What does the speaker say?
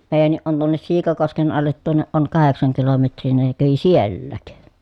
meidänkin on tuonne Siikakosken alle tuonne on kahdeksan kilometriä niin ne kävi sielläkin